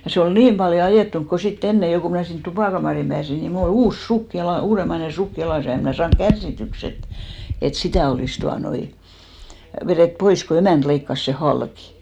ja se oli niin paljon ajettunut kun sitten ennen jo kun minä sinne tupakamariin pääsin niin minulla oli uusi sukka - uudemmainen sukka jalassa ja en minä saanut kärsityksi että että sitä olisi tuota noin vedetty pois kun emäntä leikkasi sen halki